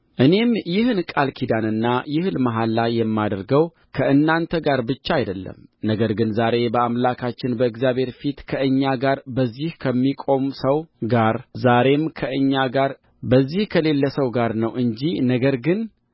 እኔም ይህን ቃል ኪዳንና ይህን መሐላ የማደርገው ከእናንተ ጋር ብቻ አይደለም ነገር ግን ዛሬ በአምላካችን በእግዚአብሔር ፊት ከእኛ ጋር በዚህ ከሚቆም ሰው ጋር ዛሬም ከእኛ ጋር በዚህ ከሌለ ሰው ጋር ነው እንጂ ነገር ግን